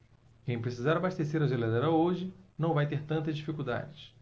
quem precisar abastecer a geladeira hoje não vai ter tantas dificuldades